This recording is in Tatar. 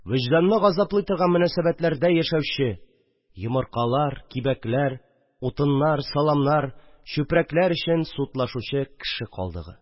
Вөҗданны газаплый торган мөнәсәбәтләрдә яшәүче, йомыркалар, кибәклр, утыннар, саламнар, чүпрәкләр өчен судлашучы кеше калдыгы